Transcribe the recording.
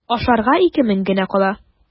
Ашарга ике мең генә кала.